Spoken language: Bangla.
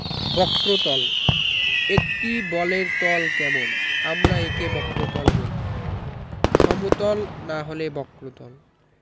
বক্রতলঃ একটি বলের তল কেমন আমরা একে বক্রতল বলি সমতল না হলে বক্রতল